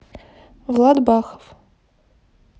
влад бахов